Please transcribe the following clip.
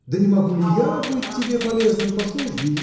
да не могу ли я быть тебе полезным по службе?.